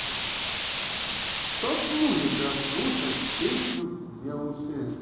стоп музыка слушать песню на youtube